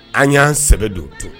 An yan sɛbɛ don ten